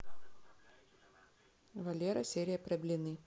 валера серия про блины